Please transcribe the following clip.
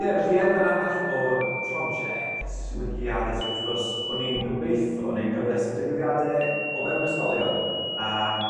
ie felly elfen arall o'r project wici addyg wrth gwrs o'n i'n gobeitho neu' cyfres o digwyddiade o fewn ysgolion a